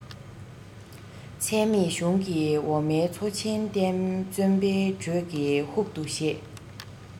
ཚད མེད གཞུང ཀྱི འོ མའི མཚོ ཆེན བརྩོན པའི འགྲོས ཀྱིས ཧུབ ཏུ བཞེས